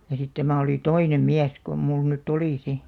ja sitten tämä oli toinen mies kuin minulla nyt oli sitten